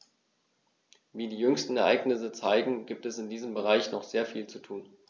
Wie die jüngsten Ereignisse zeigen, gibt es in diesem Bereich noch sehr viel zu tun.